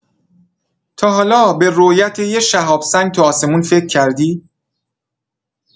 تا حالا به رؤیت یه شهاب‌سنگ تو آسمون فکر کردی؟